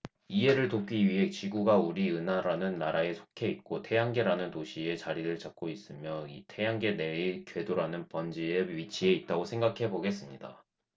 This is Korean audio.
이해를 돕기 위해 지구가 우리 은하라는 나라에 속해 있고 태양계라는 도시에 자리 잡고 있으며 태양계 내의 궤도라는 번지에 위치해 있다고 생각해 보겠습니다